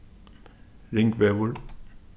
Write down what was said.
ringvegur